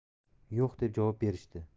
'yo'q' deb javob berishdi